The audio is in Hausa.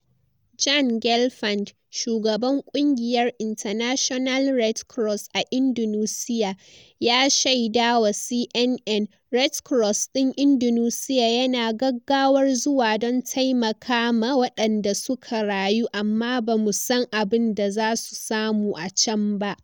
Jan Gelfand, shugaban kungiyar international Red Cross a Indonesia, ya shaida wa CNN: "Red Cross din Indonesia yana gaggawar zuwa don taimaka ma waɗanda suka rayu amma ba mu san abin da za su samu a can ba.